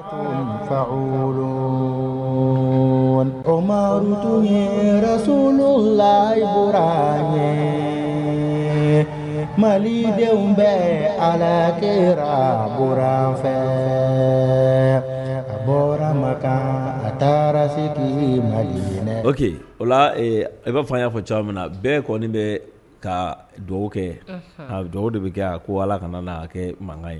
Fa olu kɔmaru tun ye sun la yɔrɔ ɲɛ malilen bɛ ala kɛ b fɛ a bɔra ma kan a taara se ye mali minɛ oke o i bɛa fɔ y'a fɔ cogo min na bɛɛ kɔni bɛ ka dugawu kɛ a dɔw de bɛ kɛ a ko ala kana na kɛ mankan ye